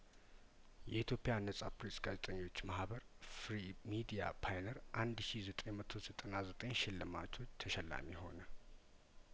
የኢትዮጵያ ነጻ ፐሬ ስጋዜጠኞች ማህበር ፍሪ ሚዲያፓይነር አንድ ሺ ዘጠኝ መቶ ዘጠና ዘጠኝ ሽልማቶች ተሸላሚ ሆነ